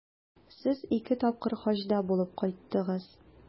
Сез ике тапкыр Хаҗда булып кайттыгыз.